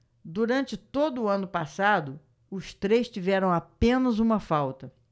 durante todo o ano passado os três tiveram apenas uma falta